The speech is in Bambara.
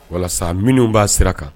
Walasa minnu b'a sira kan